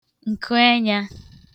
ǹkùenyā